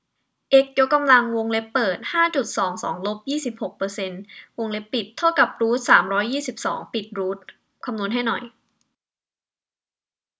เอ็กซ์ยกกำลังวงเล็บเปิดห้าจุดสองสองลบยี่สิบหกเปอร์เซนต์วงเล็บปิดเท่ากับรูทสามร้อยสิบสองจบรูทคำนวณให้หน่อย